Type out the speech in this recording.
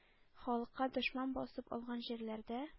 Халыкка дошман басып алган җирләрдә